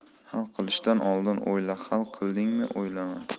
hal qilishdan oldin o'yla hal qildingmi o'ylama